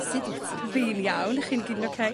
...sud wt ti? Fi'n iawn, dych chi'n i gyd yn oce?